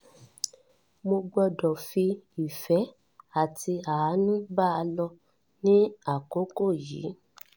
Mo gbọ́dọ̀ fi ìfẹ́ àti àánú ba lo ní àkókò yí.